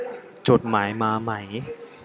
จดหมายมาไหม